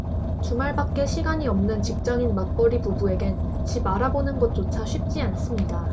주말밖에 시간이 없는 직장인 맞벌이 부부에겐 집 알아보는 것조차 쉽지 않습니다